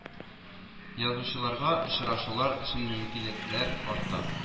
Язучыларга очрашулар өчен мөмкинлекләр арта